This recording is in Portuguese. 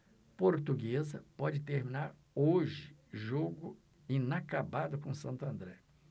portuguesa pode terminar hoje jogo inacabado com o santo andré